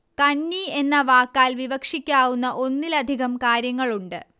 കന്നി എന്ന വാക്കാൽ വിവക്ഷിക്കാവുന്ന ഒന്നിലധികം കാര്യങ്ങളുണ്ട്